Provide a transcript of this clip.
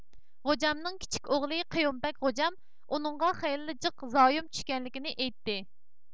غوجامنىڭ كىچىك ئوغلى قېيۇمبەگ غوجام ئۇنىڭغا خېلىلا جىق زايوم چۈشكەنلىكىنى ئېيتتى